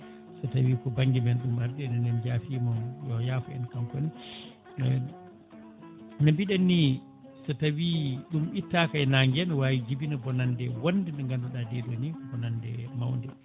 so tawi ko banggue men ɗum ma * jafima yo yaafo en kankone e no mbiɗen ni so tawi ɗum ittaka e nangue ne wawi jibina bonande wonde nde ganduɗa nde ɗo ni koko nande mawde